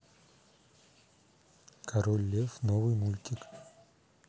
король лев новый мультик